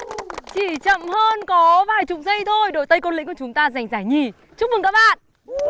chỉ chậm hơn có vài chục giây thôi đội tây côn lĩnh của chúng ta giành giải nhì chúc mừng các bạn